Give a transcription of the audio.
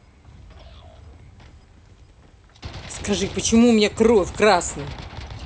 скажи почему у меня кровь красный